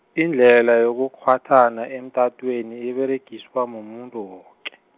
indlhela yokukghwathana emtatweni iberegiswa mumuntu woke.